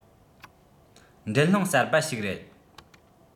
འགྲན སློང གསར པ ཞིག རེད